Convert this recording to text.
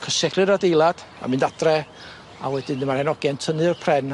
cysegri'r adeilad a mynd adre a wedyn dyma'r 'en ogie'n tynnu'r pren